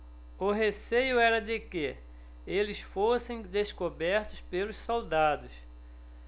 o receio era de que eles fossem descobertos pelos soldados